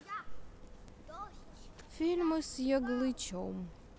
фильмы с яглычем